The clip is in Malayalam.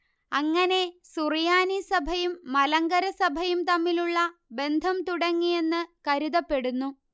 അങ്ങനെ സുറിയാനി സഭയും മലങ്കര സഭയും തമ്മിലുള്ള ബന്ധം തുടങ്ങി എന്ന് കരുതപ്പെടുന്നു